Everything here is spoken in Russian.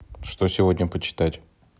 что сегодня почитать